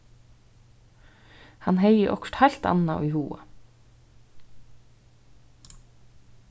hann hevði okkurt heilt annað í huga